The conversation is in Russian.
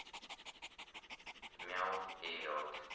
мяу вперед